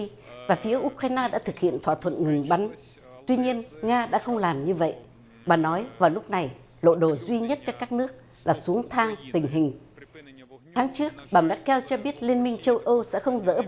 đi và phía u cờ rai na đã thực hiện thỏa thuận ngừng bắn tuy nhiên nga đã không làm như vậy bà nói vào lúc này lộ đồ duy nhất cho các nước là xuống thang tình hình tháng trước bà méc ken cho biết liên minh châu âu sẽ không dỡ bỏ